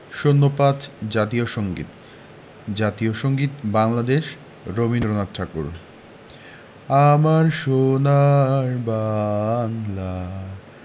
০৫ জাতীয় সংগীত জাতীয় সংগীত বাংলাদেশ রবীন্দ্রনাথ ঠাকুর আমার সোনার বাংলা